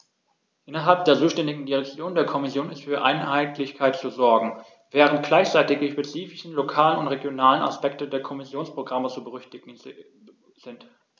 Innerhalb der zuständigen Direktion der Kommission ist für Einheitlichkeit zu sorgen, während gleichzeitig die spezifischen lokalen und regionalen Aspekte der Kommissionsprogramme zu berücksichtigen sind.